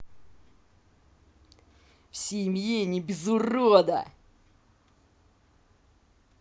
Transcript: в семье не без урода